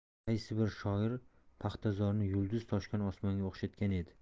qaysi bir shoir paxtazorni yulduz toshgan osmonga o'xshatgan edi